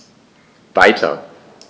Weiter.